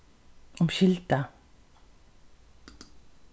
umskylda